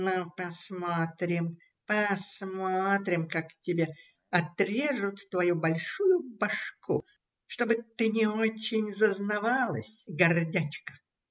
– Ну, посмотрим, посмотрим, как тебе отрежут твою большую башку, чтобы ты не очень зазнавалась, гордячка!